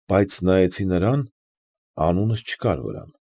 Բայց նայեցի նրան, անունս չկար վրեն։